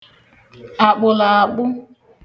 àkpụ̀laàkpụ